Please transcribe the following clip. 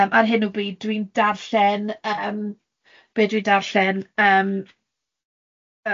Yym ar hyn o bryd dwi'n darllen yym, be' dwi'n darllen, yym